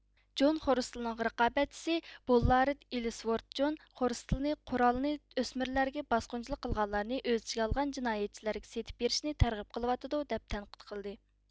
جون خورستىلنىڭ رىقابەتچىسى بوللارد ئېللىسۋورتجون خورستىلنى قورالنى ئۆسمۈرلەرگە باسقۇنچىلىق قىلغانلارنى ئۆز ئىچىگە ئالغان جىنايەتچىلەرگە سېتىپ بېرىشنى تەرغىب قىلىۋاتىدۇ دەپ تەنقىد قىلدى